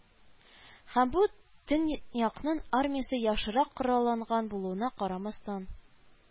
Һәм бу төнь якның армиясе яхшырак коралланган булуына карамастан